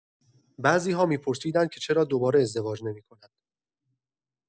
بعضی‌ها می‌پرسیدند که چرا دوباره ازدواج نمی‌کند.